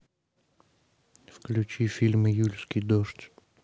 включи фильм июльский дождь